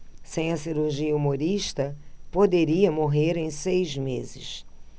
sem a cirurgia humorista poderia morrer em seis meses